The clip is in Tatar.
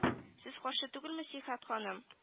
Сез каршы түгелме сихәт ханым